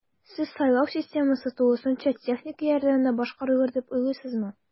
Сез сайлау системасы тулысынча техника ярдәмендә башкарарылыр дип уйлыйсызмы?